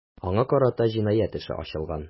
Аңа карата җинаять эше ачылган.